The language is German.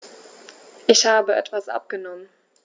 Ich habe etwas abgenommen.